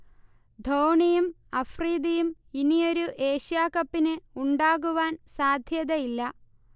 ധോണിയും അഫ്രിദിയും ഇനിയൊരു ഏഷ്യാ കപ്പിന് ഉണ്ടാകുവാൻ സാധ്യത ഇല്ല